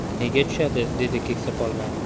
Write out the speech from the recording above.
nega tushadi dedi kesakpolvon